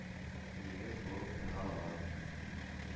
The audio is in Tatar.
Нигез булып тора ала.